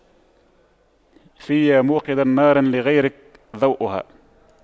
فيا موقدا نارا لغيرك ضوؤها